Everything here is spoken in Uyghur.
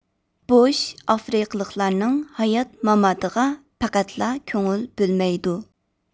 بۇش ئافرىقىلىقلارنىڭ ھايات ماماتىغا پەقەتلا كۆڭۈل بۆلمەيدۇ